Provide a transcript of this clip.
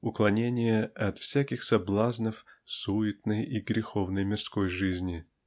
уклонение от всяких соблазнов суетной и греховной мирской жизни.